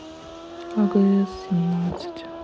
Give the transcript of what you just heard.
агс семнадцать